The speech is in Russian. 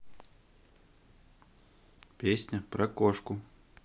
песня про кошку